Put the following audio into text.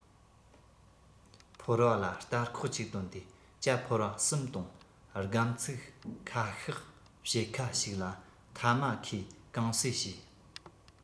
ཕོར བ ལ སྟར ཁོག ཅིག བཏོན ཏེ ཇ ཕོར པ གསུམ བཏུངས སྒམ ཚིག ཁ ཤགས ཕྱེད ཁ ཞིག ལ ཐ མ ཁའི གང ཟེ བྱས